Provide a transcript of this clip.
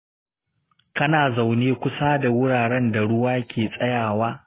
kana zaune kusa da wuraren da ruwa ke tsaya wa?